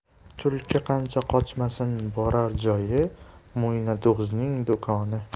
tulki qancha qochmasin borar joyi mo'ynado'zning do'koni